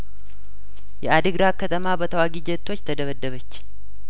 የአዲግራት ከተማ በተዋጊ ጀቶች ተደበደበች